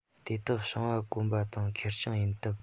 དེ དག བྱུང བ དཀོན པ དང ཁེར རྐྱང ཡིན སྟབས